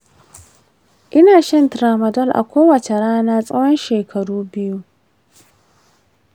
ina shan tramadol a kowace rana tsawon shekaru biyu.